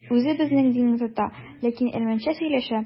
Үзе безнең динне тота, ләкин әрмәнчә сөйләшә.